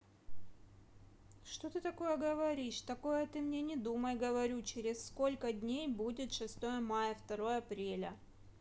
что ты говоришь такое ты мне не думай говорю через сколько дней будет шестое мая второе апреля